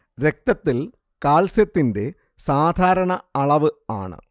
രക്തത്തിൽ കാൽസ്യത്തിന്റെ സാധാരണ അളവ് ആണ്